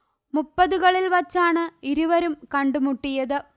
മുപ്പതുകളിൽ വച്ചാണ് ഇരുവരും കണ്ടുമുട്ടിയത്